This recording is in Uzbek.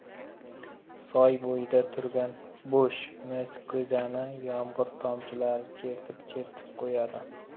soy bo'yida turgan bo'sh mis ko'zani yomg'ir tomchilari chertib chertib qo'yadi